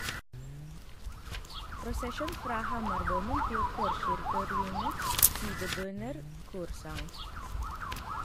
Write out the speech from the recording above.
Prosesjon fra Hamardomen til korskirkeruinen, tidebønner, korsang.